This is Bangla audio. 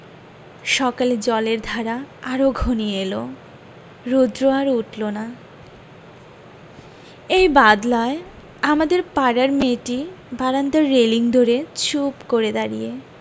সকালে জলের ধারা আরো ঘনিয়ে এল রোদ্র আর উঠল না এই বাদলায় আমাদের পাড়ার মেয়েটি বারান্দার রেলিঙ দরে চুপ করে দাঁড়িয়ে